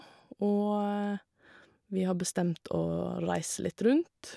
Og vi har bestemt å reise litt rundt.